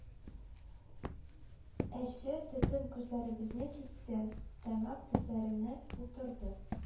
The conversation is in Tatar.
Әче төтен күзләребезне кисте, тамак төпләренә утырды,